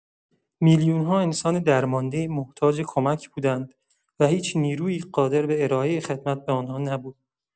میلیون‌ها انسان درمانده محتاج کمک بودند و هیچ نیرویی قادر به ارائه خدمت به آن‌ها نبود.